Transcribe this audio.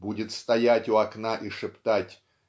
будет стоять у окна и шептать